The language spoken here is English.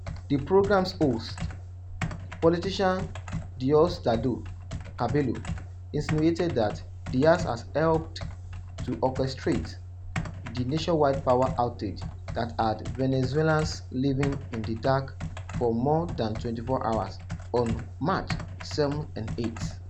The program's host, politician Diosdado Cabello, insinuated that Diaz had helped to orchestrate the nationwide power outage that had Venezuelans living in the dark for more than 24 hours on March 7 and 8.